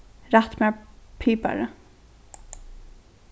rætt mær piparið